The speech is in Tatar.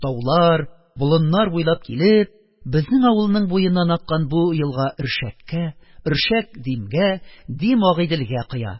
Таулар, болыннар буйлап килеп, безнең авылның буеннан аккан бу елга өршәккә, өршәк димгә, дим агыйделгә коя.